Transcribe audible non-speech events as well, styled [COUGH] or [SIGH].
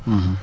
[HESITATION] [HESITATION]